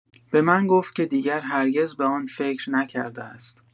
به من گفت که دیگر هرگز به آن فکر نکرده است.